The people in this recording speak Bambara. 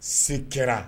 Se kɛra